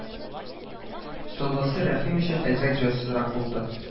Соңгысы Рәхим өчен әзрәк җайсызрак булды